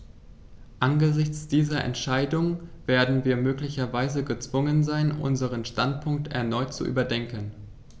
Angesichts dieser Entscheidung werden wir möglicherweise gezwungen sein, unseren Standpunkt erneut zu überdenken.